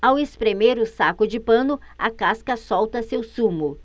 ao espremer o saco de pano a casca solta seu sumo